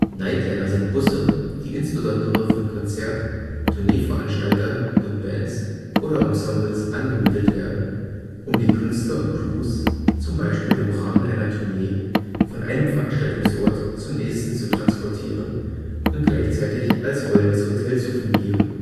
Nightliner sind Busse, die insbesondere von Konzert -, Tourneeveranstaltern und Bands oder Ensembles angemietet werden, um die Künstler und Crews - zum Beispiel im Rahmen einer Tournee - von einem Veranstaltungsort zum nächsten zu transportieren und gleichzeitig als rollendes Hotel zu fungieren